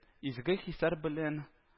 Изге хисләр белән